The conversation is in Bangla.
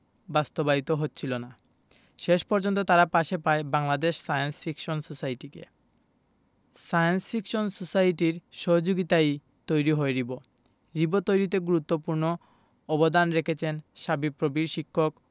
বাস্তবায়িত হচ্ছিল না শেষ পর্যন্ত তারা পাশে পায় বাংলাদেশ সায়েন্স ফিকশন সোসাইটিকে সায়েন্স ফিকশন সোসাইটির সহযোগিতায়ই তৈরি হয় রিবো রিবো তৈরিতে গুরুত্বপূর্ণ অবদান রেখেছেন শাবিপ্রবির শিক্ষক